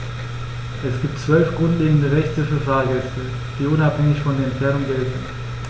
Es gibt 12 grundlegende Rechte für Fahrgäste, die unabhängig von der Entfernung gelten.